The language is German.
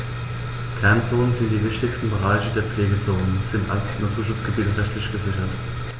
Kernzonen und die wichtigsten Bereiche der Pflegezone sind als Naturschutzgebiete rechtlich gesichert.